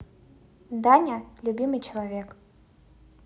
даня любимый человек